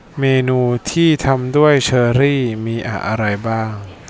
เมนูที่ทำด้วยเชอร์รี่มีอะไรบ้าง